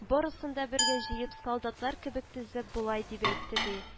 — барысын да бергә җыеп, солдатлар кебек тезеп, болай дип әйтте, ди